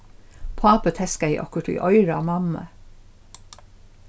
pápi teskaði okkurt í oyrað á mammu